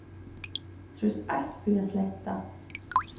trýst eitt fyri at sletta